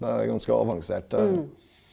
det er ganske avanserte.